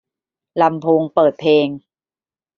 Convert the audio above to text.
ลำโพงเปิดเพลง